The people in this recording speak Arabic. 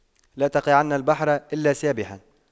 لا تقعن البحر إلا سابحا